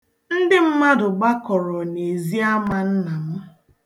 Ndị mmadụ gbakọrọ n'eziama nna m.